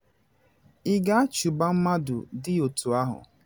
“Ị ga-achụba mmadụ dị otu ahụ?